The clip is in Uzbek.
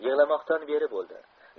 yig'lamoqdan beri bo'ldi